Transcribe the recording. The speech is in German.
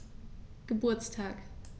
Geburtstag